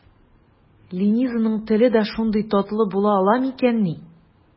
Ленизаның теле дә шундый татлы була ала микәнни?